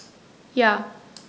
Ja.